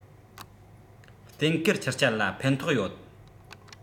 གཏན འཁེལ ཆུ རྐྱལ ལ ཕན ཐོགས ཡོད